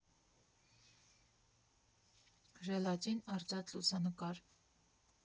Ժելատին արծաթ լուսանկար։